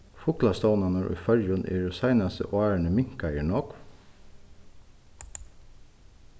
fuglastovnarnir í føroyum eru seinastu árini minkaðir nógv